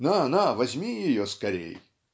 на-на, возьми ее скорей".